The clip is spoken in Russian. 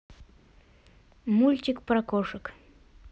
найти мультик про кошек